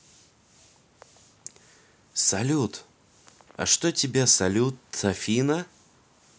салют а что тебя салют афина